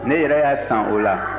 ne yɛrɛ y'a san o la